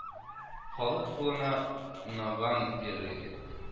Халык кулына наган бирергә кирәк